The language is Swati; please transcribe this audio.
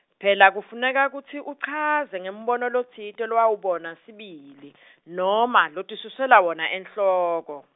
phela kufuneka kutsi uchaze ngembono lotsite lowawubona sibili , noma lotisusela wona enhloko.